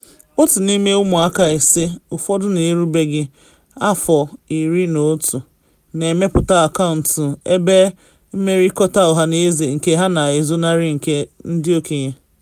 Otu n’ime ụmụaka ise - ụfọdụ na erubeghị afọ 11 - na emepụta akaụntụ ebe mmerịkọta ọhaneze nke ha na ezonarị ndị okenye.